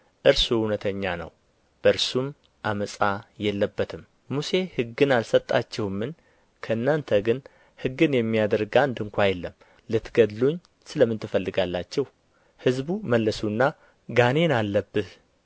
እርሱ እውነተኛ ነው በእርሱም ዓመፃ የለበትም ሙሴ ሕግን አልሰጣችሁምን ከእናንተ ግን ሕግን የሚያደርግ አንድ ስንኳ የለም ልትገድሉኝ ስለ ምን ትፈልጋላችሁ ሕዝቡ መለሱና ጋኔን አለብህ